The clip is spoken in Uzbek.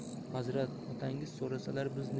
hazrat otangiz so'rasalar